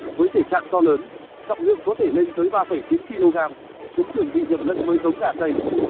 với thể trạng to lớn trọng lượng có thể lên tới kg chúng thường bị nhầm lẫn với giống gà tây